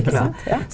ikkje sant ja.